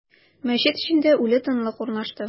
Мәчет эчендә үле тынлык урнашты.